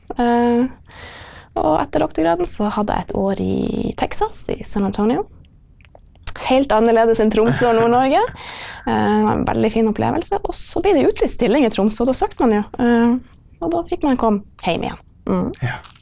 og etter doktorgraden så hadde jeg et år i Texas i San Antonio heilt annerledes enn Tromsø og Nord-Norge, var en veldig fin opplevelse, og så blei det utlyst stilling i Tromsø og da søkte man jo og da fikk man komme heim igjen .